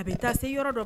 A bɛ taa se yɔrɔ dɔn